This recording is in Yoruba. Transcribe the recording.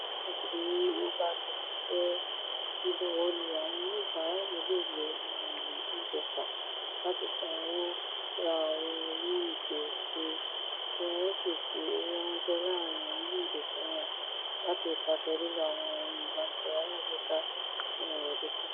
Lẹ́yìn tí ó bá ti jẹ́ bíbuwọ́lù, àwọn oníbàárà le lo ohun èlò M-Pesa láti san owó, ra àwọn owó ìpè sii kí wọn ó sì fi owó ráńṣẹ́ láàárín orílẹ̀-èdè Kenya láti ipasẹ̀ lílo àwọn ẹ̀rọ ìbáraẹnisọ̀rọ̀ alágbèéká tí ó ń lo dátà.